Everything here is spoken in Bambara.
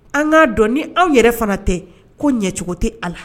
An k'a dɔn ni anw yɛrɛ fana tɛ ko ɲɛcogo tɛ a la